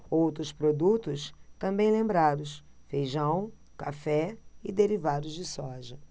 outros produtos também lembrados feijão café e derivados de soja